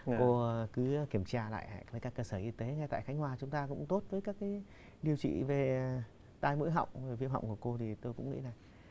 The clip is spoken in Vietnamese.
cô cứ kiểm tra lại hệ với các cơ sở y tế ngay tại khánh hòa chúng ta cũng tốt với các cái điều trị về tai mũi họng viêm họng của cô thì tôi cũng nghĩ là